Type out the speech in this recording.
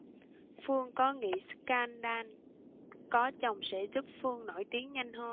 phương có nghĩ scandal có chồng sẽ giúp phương nổi tiếng nhanh hơn